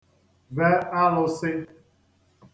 ve alụsī